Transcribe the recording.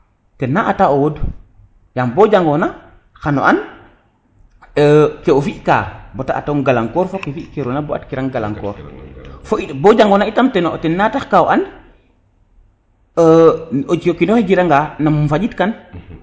tena ata o wod yaam bo jangona xano an ke o fika bata antong golankor fo ke fi ke rona bo at kirang galkankor fo bo jangona itam tena tax ka o an o kinoxe jiranga namo faƴit kan